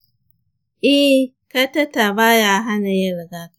eh, catheter ba ya hana yin rigakafi.